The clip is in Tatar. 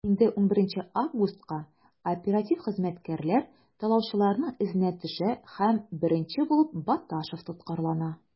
Инде 11 августка оператив хезмәткәрләр талаучыларның эзенә төшә һәм беренче булып Баташев тоткарлана.